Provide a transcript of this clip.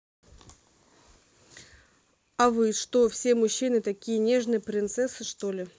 а вы что все мужчины такие нежные принцессы что ли